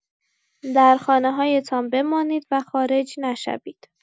در خانه‌هایتان بمانید و خارج نشوید.